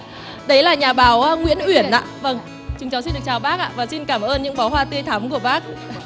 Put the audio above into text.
đấy là nhà báo nguyễn uyển ạ vâng chúng cháu xin được chào bác ạ và xin cảm ơn những bó hoa tươi thắm của bác